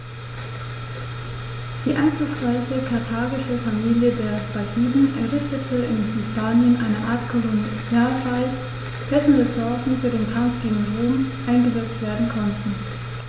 Die einflussreiche karthagische Familie der Barkiden errichtete in Hispanien eine Art Kolonialreich, dessen Ressourcen für den Kampf gegen Rom eingesetzt werden konnten.